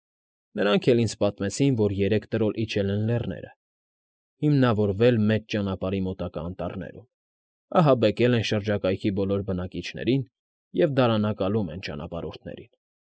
Նրանք էլ ինձ պատմեցին, որ երեք տրոլ իջել են լեռները, հիմնավորվել մեծ ճանապարհի մոտակա անտառներում, ահաբեկել են շրջակայքի բոլոր բնակիչներին և դարանակալում են ճանապարհորդներին։